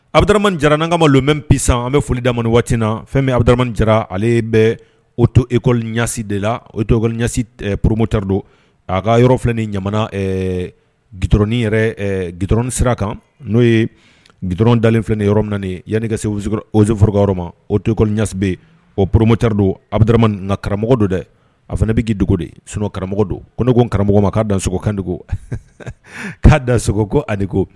A jara n'kan don bɛ psa an bɛ foli da waati na fɛn min abu jara ale bɛ o to ekɔli ɲasi de la o tosi poromotaridon a ka yɔrɔfi ɲamana dɔrɔnin yɛrɛ dɔrɔnr sira kan n'o ye g dɔrɔn dalenfi yɔrɔ min yanni ka segusi ozforo yɔrɔ ma o toksi o poromotari don a nka karamɔgɔ don dɛ a fana bɛ dogo de sun karamɔgɔ don ko ne ko karamɔgɔ ma k'a da sogo kanko k'a dan sogoko ani ko